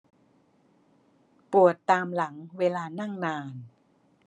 ปวดตามหลังเวลานั่งนาน